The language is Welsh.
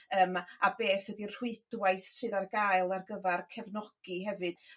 yym a a beth ydi rhwydwaith sydd ar gael ar gyfar cefnogi hefyd?